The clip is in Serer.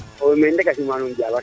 oxey meen rek a sima nuun